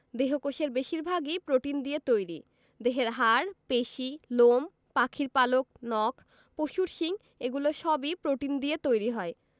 দেহকোষের বেশির ভাগই প্রোটিন দিয়ে তৈরি দেহের হাড় পেশি লোম পাখির পালক নখ পশুর শিং এগুলো সবই প্রোটিন দিয়ে তৈরি হয়